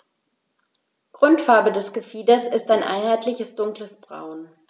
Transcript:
Grundfarbe des Gefieders ist ein einheitliches dunkles Braun.